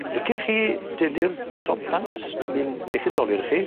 Licech chi dynnu'r top bants ti'n mynd neith 'i'm dolur i chi?